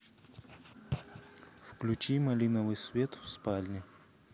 включи малиновый свет в спальне